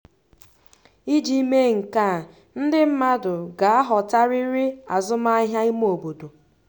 Iji mee nke a, ndị mmadụ ga-aghọtarịrị azụmụahịa ime obodo.